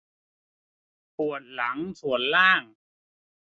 ปวดหลังส่วนล่าง